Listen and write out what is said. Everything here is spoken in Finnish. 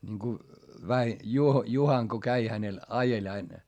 niin kun - Juho Juhana kun kävi hänellä ajeli aina